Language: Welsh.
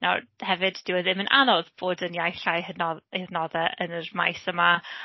Nawr hefyd dyw e ddim yn anodd bod yn iaith llai ei hadnoddau yn yr maes yma.